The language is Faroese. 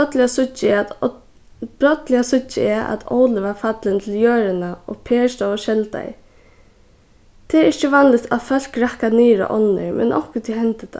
brádliga síggi eg at brádliga síggi eg at óli var fallin til jørðina og per stóð og skeldaði tað er ikki vanligt at fólk rakka niður á onnur men onkuntíð hendir